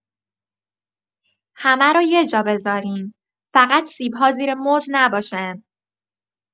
همه رو یه جا بذارین، فقط سیب‌ها زیر موز نباشن.